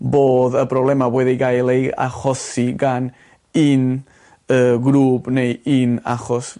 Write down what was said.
bodd y problema wedi gael eu achosi gan un yy grŵp neu un achos